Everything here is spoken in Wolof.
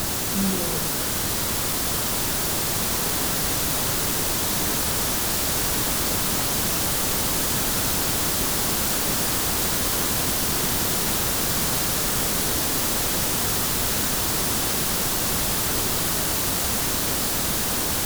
Mbuuru